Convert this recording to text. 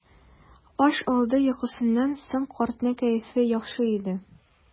Аш алды йокысыннан соң картның кәефе яхшы иде.